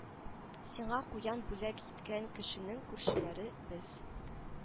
Сиңа куян бүләк иткән кешенең күршеләре без